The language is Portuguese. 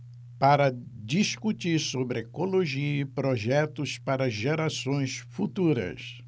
para discutir sobre ecologia e projetos para gerações futuras